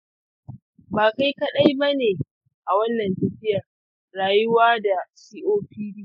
ba kai kaɗai ba ne a wannan tafiyar rayuwa da copd.